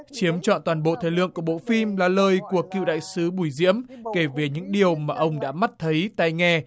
chiếm trọn toàn bộ thời lượng của bộ phim là lời của cựu đại sứ bùi diễm kể về những điều mà ông đã mắt thấy tai nghe